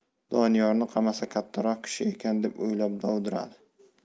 doniyorni qamasa kattaroq kishi ekan deb o'ylab dovdiradi